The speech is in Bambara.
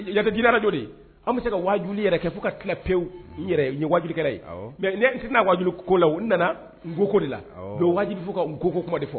La don de an bɛ se ka wajuli yɛrɛ kɛ fo ka ki pewuju ye mɛ tɛna waju ko la nana koko de la don wajibi fɔ fo ka koko kuma de fɔ